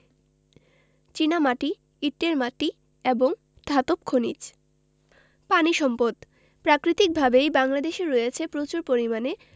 চীনামাটি ইটের মাটি এবং ধাতব খনিজ পানি সম্পদঃ প্রাকৃতিকভাবেই বাংলাদেশের রয়েছে প্রচুর পরিমাণে